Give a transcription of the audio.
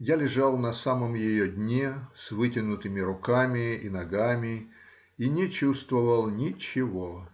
я лежал на самом ее дне с вытянутыми руками и ногами и не чувствовал ничего